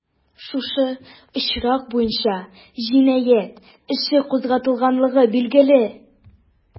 Шушы очрак буенча җинаять эше кузгатылганлыгы билгеле.